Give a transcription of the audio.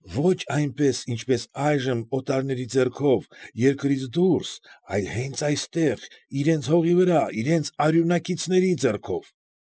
Ոչ այնպես, ինչպես այժմ օտարների ձեռքով, երկրից դուրս, այլ հենց այստեղ, իրենց հողի վրա, իրենց արյունակիցների ձեռքով։